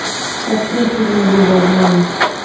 открой фильм иллюзия обмана